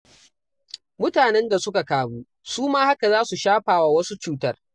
Mutanen da suka kamu su ma haka za su shafa wa wasu cutar.